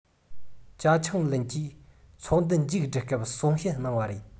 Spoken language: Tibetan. ཅ ཆིང ལིན གྱིས ཚོགས འདུ མཇུག སྒྲིལ སྐབས གསུང བཤད གནང བ རེད